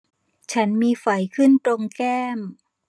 ฉันมีไฝขึ้นตรงแก้ม